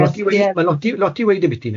Ma' lot i weud, ma' lot i lot i weud am biti 'na.